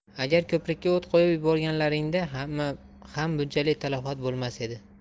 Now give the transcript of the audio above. agar ko'prikka o't qo'yib yuborganlaringda ham bunchalik talafot bo'lmas edi